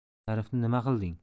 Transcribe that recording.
sharifni nima qilding